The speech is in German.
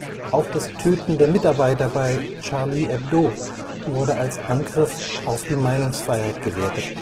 Auch das Töten der Mitarbeiter bei Charlie Hebdo wurde als Angriff auf die Meinungsfreiheit gewertet